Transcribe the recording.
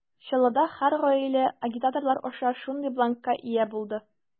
Чаллыда һәр гаилә агитаторлар аша шундый бланкка ия булды.